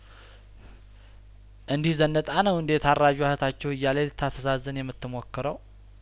እንዲህ ዘንጣ ነው እንዴ ታራዧ እህ ታችሁ እያለች ልታስ ተዛዝን የምት ሞክረው